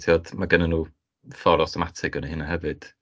Tibod ma' gynnon nhw ffordd awtomatig o wneud hynna hefyd.